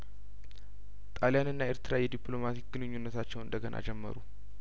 ጣሊያንና ኤርትራ የዲፕሎማቲክ ግንኙነታቸውን እንደገና ጀመሩ